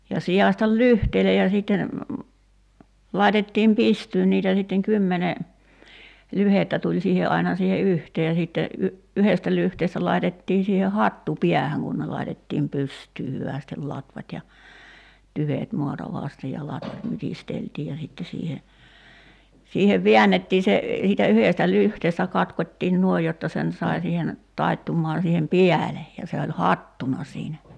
ja sitaistaan lyhteille ja sitten laitettiin pystyyn niitä sitten kymmenen lyhdettä tuli siihen aina siihen yhteen ja sitten - yhdestä lyhteestä laitettiin siihen hattu päähän kun ne laitettiin pystyyn hyvästi latvat ja tyvet maata vasten ja latvat mytisteltiin ja sitten siihen siihen väännettiin se siitä yhdestä lyhteestä katkottiin noin jotta sen sai siihen taittumaan siihen päälle ja se oli hattuna siinä